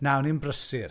Na, o'n i'n brysur.